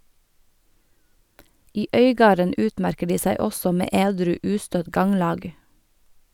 I Øygarden utmerker de seg også med edru ustøtt ganglag.